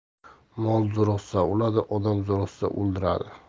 mol zo'riqsa o'ladi odam zo'riqsa o'ldiradi